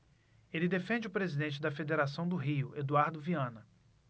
ele defende o presidente da federação do rio eduardo viana